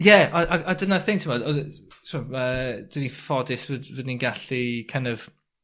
Ie a a a a dyna'r thing t'mod odd e s- yy 'dyn ni ffodus fod fod ni'n gallu kin' of